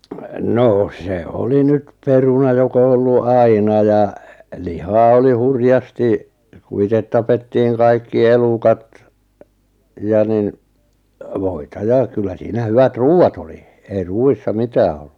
no se oli nyt peruna joka on ollut aina ja lihaa oli hurjasti kun itse tapettiin kaikki elukat ja niin voita ja kyllä siinä hyvät ruuat oli ei ruuissa mitään ollut